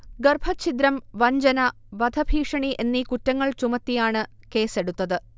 ഗർഭഛിദ്രം, വഞ്ചന, വധഭീഷണി എന്നീ കുറ്റങ്ങൾ ചുമത്തിയാണ് കേസെടുത്തത്